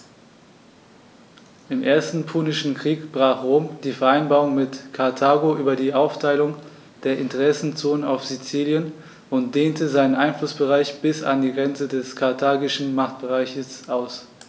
Im Ersten Punischen Krieg brach Rom die Vereinbarung mit Karthago über die Aufteilung der Interessenzonen auf Sizilien und dehnte seinen Einflussbereich bis an die Grenze des karthagischen Machtbereichs aus.